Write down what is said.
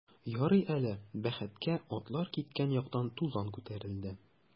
Ярый әле, бәхеткә, атлар киткән яктан тузан күтәрелде.